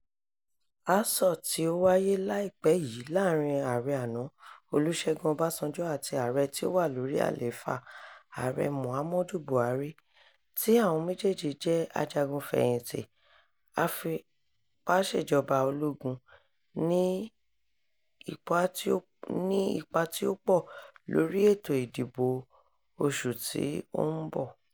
Asọ̀ tí ó wáyé láìpẹ́ yìí láàárín Ààrẹ àná, Olúsẹ́gun Ọbásanjọ́ àti Ààrẹ tí ó wà lórí àlééfà, Ààrẹ Muhammadu Buhari – tí àwọn méjèèjì jẹ́ ajagun fẹ̀yìntì afipásèjọba ológun –ní ipa tí ó pọ̀ lórí ètò ìdìbò oṣù tí ó ń bọ̀.